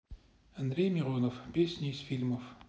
андрей миронов песни из фильмов